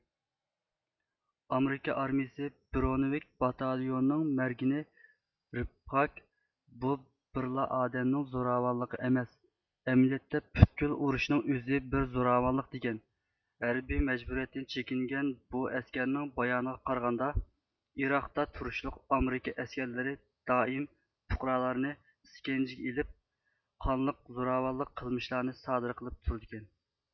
ئامېرىكا ئارمىيىسى برونېۋىك باتاليونىنىڭ مەرگىنى رىپخاگ بۇ بىرلا ئادەمنىڭ زوراۋانلىقى ئەمەس ئەمەلىيەتتە پۈتكۈل ئۇرۇشنىڭ ئۆزى بىر زوراۋانلىق دېگەن ھەربىىي مەجبۇرىيەتتىن چېكىنگەن بۇ ئەسكەرنىڭ بايانىغا قارىغاندا ئېراقتا تۇرۇشلۇق ئامېرىكا ئەسكەرلىرى دائىم پۇقرالارنى ئىسكەنجىگە ئېلىپ قانلىق زوراۋانلىق قىلمىشلارنى سادىر قىلىپ تۇرىدىكەن